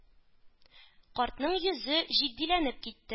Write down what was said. Картның йөзе җитдиләнеп китте.